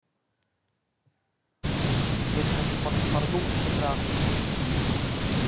нет я хочу смотреть порнуху где трахаются